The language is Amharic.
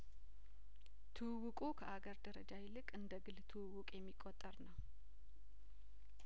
ትውውቁ ከአገር ደረጃ ይልቅ እንደግል ትውውቅ የሚቆጠር ነው